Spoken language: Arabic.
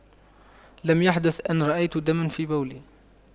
لم يحدث ان رأيت دم في بولي